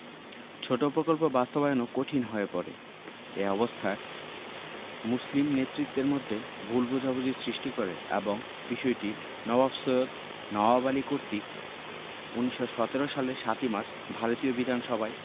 ছোট প্রকল্প বাস্তবায়নও কঠিন হয়ে পড়ে এ অবস্থা মুসলিম নেতৃত্বের মধ্যে ভুল বোঝাবুঝির সৃষ্টি করে এবং বিষয়টি নবাব সৈয়দ নওয়াব আলী কর্তৃক ১৯১৭ সালের ৭ ই মার্চ ভারতীয় বিধানসভায়